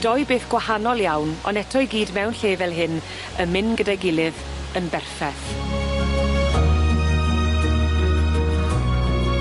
doi beth gwahanol iawn on' eto i gyd mewn lle fel hyn yn mynd gyda'i gilydd yn berffeth.